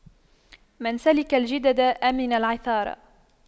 من سلك الجدد أمن العثار